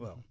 waaw